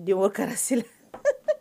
Démocratie la,